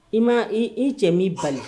I ma i cɛ m'i bali.